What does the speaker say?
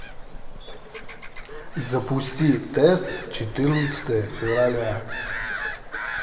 запусти тест четырнадцатое февраля